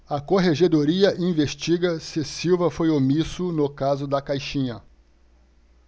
a corregedoria investiga se silva foi omisso no caso da caixinha